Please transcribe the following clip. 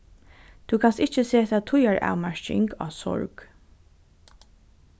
tú kanst ikki seta tíðaravmarking á sorg